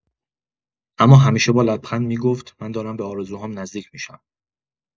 اما همیشه با لبخند می‌گفت: «من دارم به آرزوهام نزدیک می‌شم.»